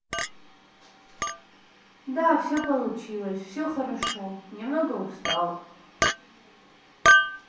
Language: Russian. да все получилось все хорошо немного устал